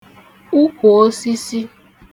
ukwùosisi